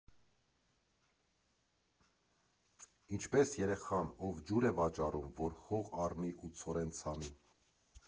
Ինչպես երեխան, ով ջուր է վաճառում, որ հող առնի ու ցորեն ցանի։